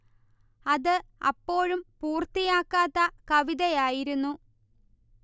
അത് അപ്പോഴും പൂർത്തിയാക്കാത്ത കവിതയായിരുന്നു